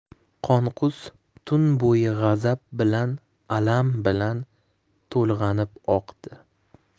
qonqus tun bo'yi g'azab bilan alam bilan to'lg'anib oqdi